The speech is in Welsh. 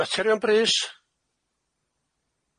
Materion brys.